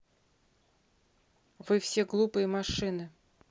вы все глупые машины